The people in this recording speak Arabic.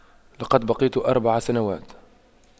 لقد بقيت أربع سنوات